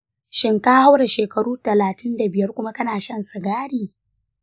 shin ka haura shekaru talatin da biyar kuma kana shan sigari?